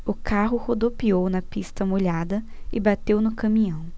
o carro rodopiou na pista molhada e bateu no caminhão